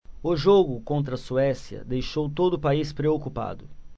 o jogo contra a suécia deixou todo o país preocupado